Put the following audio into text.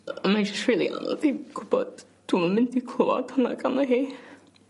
Mae jys rhili anodd i gwbod dwi'm yn mynd i clŵad hwnna ganddo hi.